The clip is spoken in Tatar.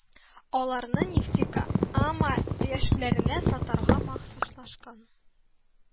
Аларны нефтек ама яшьләренә сатарга махсуслашкан